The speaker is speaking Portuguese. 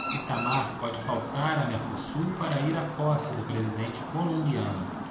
itamar pode faltar a mercosul para ir à posse do presidente colombiano